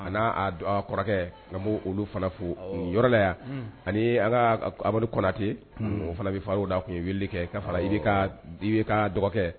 A n' kɔrɔkɛ ka' olu fana fo yɔrɔla yan ani an ka amadu kɔnnatɛ o fana bɛ faraw da tun ye wili kɛ ka fara ka dɔgɔkɛ